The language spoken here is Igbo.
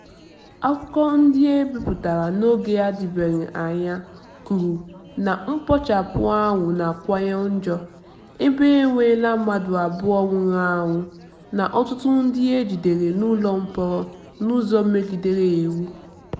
Akụkọ ndị e bipụtara n'oge n'adịbeghị anya kwuru na mkpochapụ ahụ na-akawanye njọ, ebe e enweela mmadụ abụọ nwụrụ anwụ na ọtụtụ ndị e jidere n'ụlọ mkpọrọ n'ụzọ megidere iwu.